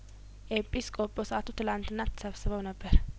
ኤጲስቆጶስቱ ትላንትና ተሰብስበው ነበር